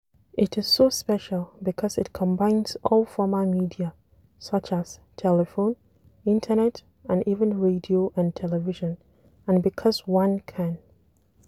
It is so special because it combines all former media, such as telephone, Internet, and even radio and television, and because one can: 1.